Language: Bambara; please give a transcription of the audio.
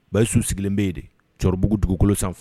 Bayusu sigilen bɛ yen de, cɔribugu dugukolo sanfɛ.